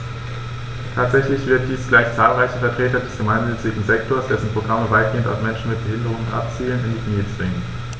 Tatsächlich wird dies gleich zahlreiche Vertreter des gemeinnützigen Sektors - dessen Programme weitgehend auf Menschen mit Behinderung abzielen - in die Knie zwingen.